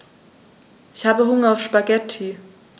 Ich habe Hunger auf Spaghetti.